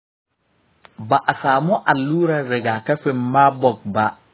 ba a samu allurar rigakafin marburg ba.